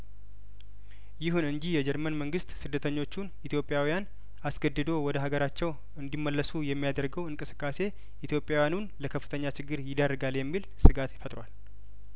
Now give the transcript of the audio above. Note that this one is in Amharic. ይሁን እንጂ የጀርመን መንግስት ስደተኞቹን ኢትዮጵያዊያን እያስገደደ ወደ ሀገራቸው እንዲመለሱ የሚያደርገው እንቅስቃሴ ኢትዮጵያዊ ያኑን ለከፍተኛ ችግር ይዳርጋል የሚል ስጋት ፈጥሯል